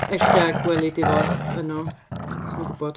Ella gweli di fo yno, ti byth yn gwbod.